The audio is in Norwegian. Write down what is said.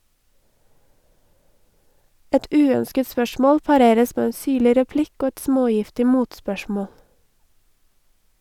Et uønsket spørsmål pareres med en syrlig replikk og et smågiftig motspørsmål.